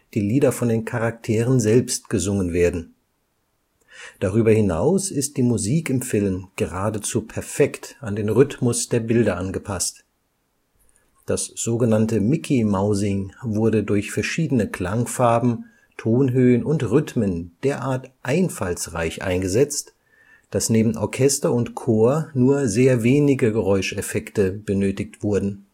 Lieder von den Charakteren selbst gesungen werden. Darüber hinaus ist die Musik im Film geradezu perfekt an den Rhythmus der Bilder angepasst. Das sogenannte Mickey-Mousing wurde durch verschiedene Klangfarben, Tonhöhen und Rhythmen derart einfallsreich eingesetzt, dass neben Orchester und Chor nur sehr wenige Geräuscheffekte benötigt wurden